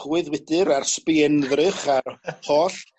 chwyddwydr a'r sbienddrych a'r holl